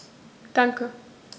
Danke.